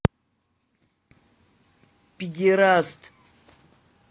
педераст